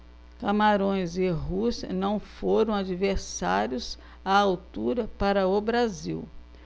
camarões e rússia não foram adversários à altura para o brasil